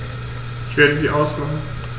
Ich werde sie ausmachen.